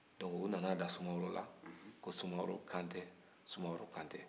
dɔnke u nana da sumaworo la ko sumaworo kantɛ ko sumaworo kantɛ